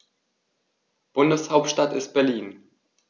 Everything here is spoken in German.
Bundeshauptstadt ist Berlin.